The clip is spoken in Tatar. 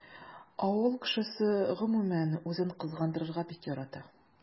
Авыл кешесе гомумән үзен кызгандырырга бик ярата.